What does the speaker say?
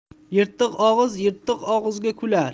yirtiq og'iz tirtiq og'izga kular